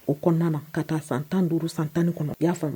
O kɔnɔna na ka taa san tan duuru san tanni kɔnɔ i y'a faamuya